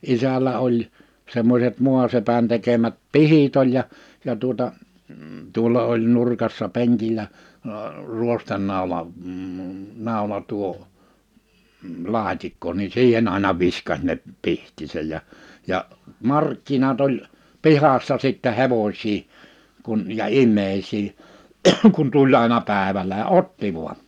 isällä oli semmoiset maasepän tekemät pihdit oli ja ja tuota tuolla oli nurkassa penkillä - ruostenaula - naula tuo laatikko niin siihen aina viskasi ne pihdit ja ja markkinat oli pihassa sitten hevosia kun ja ihmisiä kun tuli aina päivällä ja otti vain